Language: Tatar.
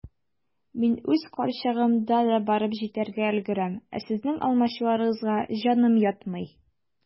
Мин үз карчыгымда да барып җитәргә өлгерәм, ә сезнең алмачуарыгызга җаным ятмый.